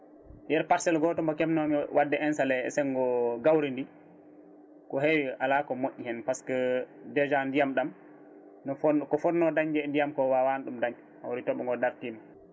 yeeru parcelle goto mo kebnomi o wadde installé e senggo gawri ndi ko heewi ala ko moƴƴi hen par ce que déjà ndiyam ɗam no fon ko fonno dañde e ndiyam ko wawano ɗum daañ hawri tooɓogo dartima